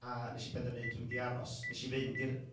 a wnes i benderfynu dwi'n mynd i aros. Wnes i fynd i'r